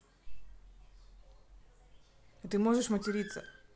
а ты можешь материться